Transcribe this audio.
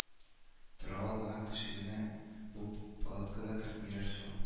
Тора алган кешене бу палатага кертмиләр шул